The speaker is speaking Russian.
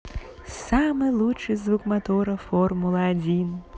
самый лучший звук мотора формула один